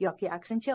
yoki aksincha